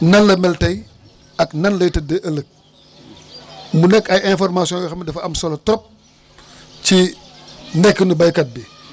nan la mel tey ak nan lay tëddee ëllëg mu nekk ay informations yoo xam ne dafa am solo trop ci nekkinu béykat bi